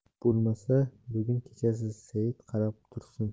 bo'lmasa bugun kechasi seit qarab tursin